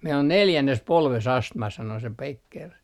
meillä on neljännessä polvessa astma sanoi se Becker